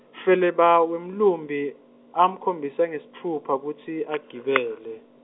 Feleba, wemlumbi, amkhombise ngesitfupha kutsi agibele.